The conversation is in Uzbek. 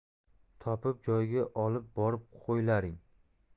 topib joyiga olib borib qo'ylaring